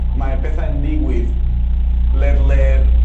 mae y bethau yn digwydd ledledd